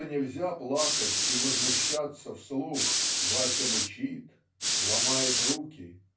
что нельзя плакать и возмущаться вслух Вася мычит ломает руки.